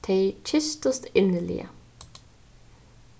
tey kystust inniliga